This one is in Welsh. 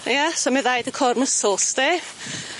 Ie so ma' dda i dy core muscles di.